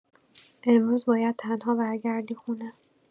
امروز باید تنها برگردی خونه!